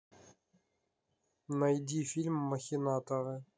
найди фильм махинаторы